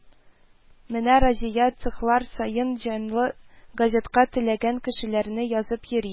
Менә Разия цехлар саен җанлы газетка теләгән кешеләрне язып йөри